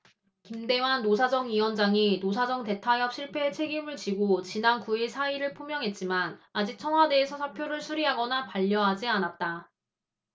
김대환 노사정위원장이 노사정 대타협 실패에 책임을 지고 지난 구 일 사의를 표명했지만 아직 청와대에서 사표를 수리하거나 반려하지 않았다